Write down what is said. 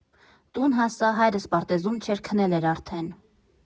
Տուն հասա, հայրս պարտեզում չէր, քնել էր արդեն։